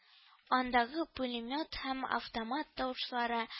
Андагы пулемет һәм автомат тавышлары